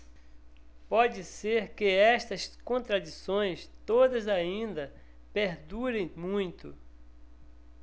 pode ser que estas contradições todas ainda perdurem muito